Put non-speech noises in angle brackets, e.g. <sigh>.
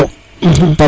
<hesitation> <hesitation>